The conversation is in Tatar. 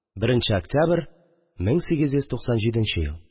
1 нче октябрь 1897 ел